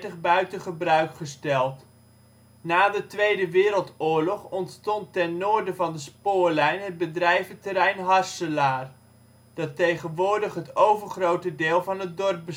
buiten gebruik gesteld. Na de Tweede Wereldoorlog ontstond ten noorden van de spoorlijn het bedrijventerrein Harselaar, dat tegenwoordig het overgrote deel van het dorp